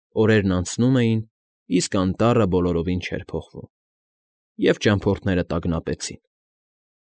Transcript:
Օրերն անցնում էին, իսկ անտառը բոլորովին չէր փոխվում, և ճամփորդները տագնապեցին։